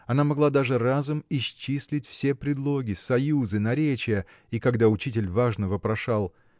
Она могла даже разом исчислить все предлоги союзы наречия и когда учитель важно вопрошал